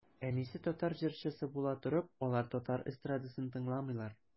Әнисе татар җырчысы була торып, алар татар эстрадасын тыңламыйлар.